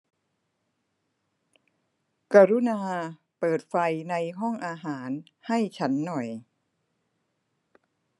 กรุณาเปิดไฟในห้องอาหารให้ฉันหน่อย